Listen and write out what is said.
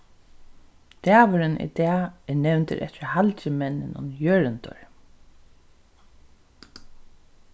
dagurin í dag er nevndur eftir halgimenninum jørundur